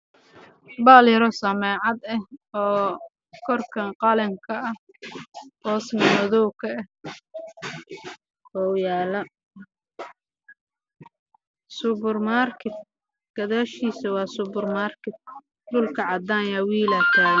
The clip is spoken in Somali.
Waa burjiko midabkeedu yahay madow waana supermarket